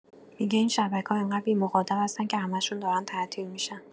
می‌گه این شبکه‌ها انقدر بی‌مخاطب هستن که همشون دارن تعطیل می‌شن